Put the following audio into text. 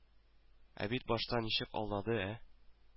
Ә бит башта ничек алдады, ә